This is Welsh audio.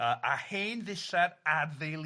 a a hen ddillad arddeiliedig amdano